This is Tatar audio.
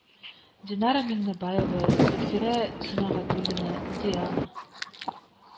Динара Миңнебаева, Зөлфирә Сөнәгатуллина, Диана